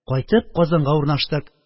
Кайтып, Казанга урнаштык